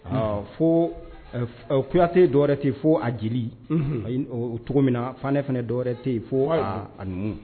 Fo kuya kuyate dɔwɛrɛ tɛ fo a jeli cogo min na fan ne fana dɔwɛrɛ tɛ yen fo a numu